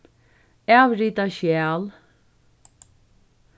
avrita skjal